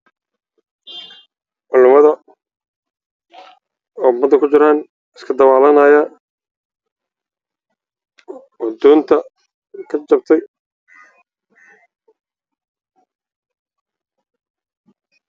Waa bad waxaa ku jira niman badan